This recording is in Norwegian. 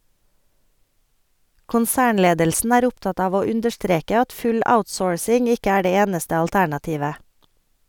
Konsernledelsen er opptatt av å understreke at full outsourcing ikke er det eneste alternativet.